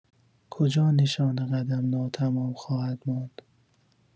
کجا نشان قدم ناتمام خواهد ماند؟